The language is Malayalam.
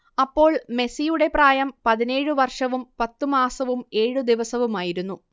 അപ്പോൾ മെസ്സിയുടെ പ്രായം പതിനേഴ് വർഷവും പത്ത് മാസവും ഏഴ് ദിവസവുമായിരുന്നു